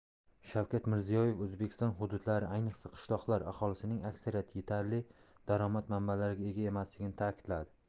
shavkat mirziyoyev o'zbekiston hududlari ayniqsa qishloqlar aholisining aksariyati yetarli daromad manbalariga ega emasligini ta'kidladi